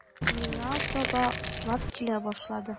Миңа таба ыслап килә башлады.